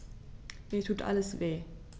Mir tut alles weh.